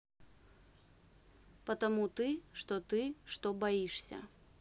потому ты что ты что боишься